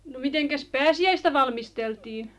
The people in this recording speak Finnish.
no mitenkäs pääsiäistä valmisteltiin